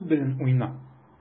Туп белән уйна.